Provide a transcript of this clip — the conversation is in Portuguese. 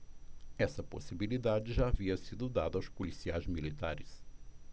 essa possibilidade já havia sido dada aos policiais militares